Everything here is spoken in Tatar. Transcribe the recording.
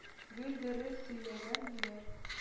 Гел дөресен сөйләгән, – диләр,